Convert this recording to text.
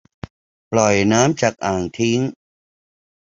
ปล่อยน้ำจากอ่างทิ้ง